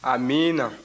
amiina